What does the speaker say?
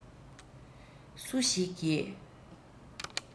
སུ ཞིག གིས